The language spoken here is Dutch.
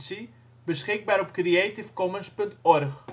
06 ' NB, 6° 30 ' OL